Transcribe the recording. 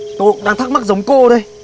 tôi cũng đang thắc mắc giống cô đây